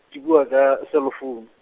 ke bua ka, selo founu.